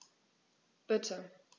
Bitte.